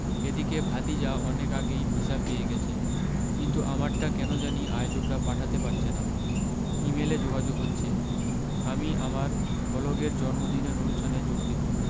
এদিকে ভাতিজা অনেক আগেই ভিসা পেয়ে গেছে কিন্তু আমারটা কেন জানি আয়োজকরা পাঠাতে পারছেনা ইমেলে যোগাযোগ হচ্ছে আমি আমারবলগের জন্মদিনের অনুষ্ঠানে যোগ দিবো